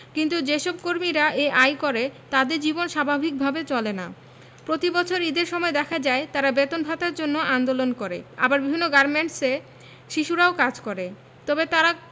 কিন্তু যেসব কর্মীরা এই আয় করে তাদের জীবন স্বাভাবিক ভাবে চলে না প্রতিবছর ঈদের সময় দেখা যায় তারা বেতন ভাতার জন্য আন্দোলন করে আবার বিভিন্ন গার্মেন্টসে শিশুরা কাজ করে তবে তারা